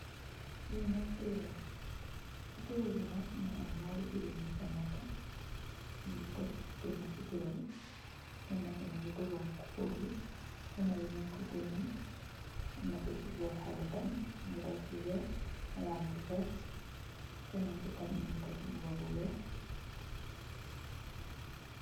li Nak tereh la tereh bi nak mungi am nyari jigeen yufa nekk nyungi tek kena si diga bi kenaki mungi duga kuur bi kena nyung ko geneh ci bori haritami nyu def lu weex Malan bu veert kenen ki tamit mungi def mbuba bu weex